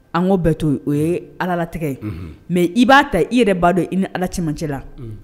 An' bɛɛ to o ye alalatigɛ ye mɛ i b'a ta i yɛrɛ b ba dɔn i ni ala cɛmancɛla